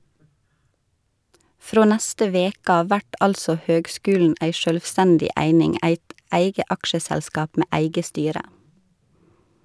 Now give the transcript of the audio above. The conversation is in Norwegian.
Frå neste veke av vert altså høgskulen ei sjølvstendig eining, eit eige aksjeselskap med eige styre.